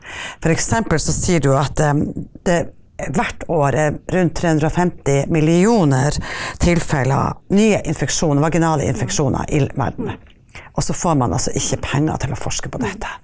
f.eks. så sier du at det hvert år er rundt 350 millioner tilfeller nye vaginale infeksjoner i verden, og så får man altså ikke penger til å forske på dette.